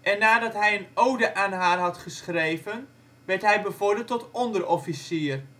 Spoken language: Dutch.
en nadat hij een ode aan haar had geschreven, werd hij bevorderd tot onderofficier